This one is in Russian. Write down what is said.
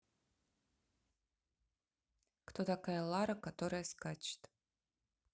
кто такая лара которая скачет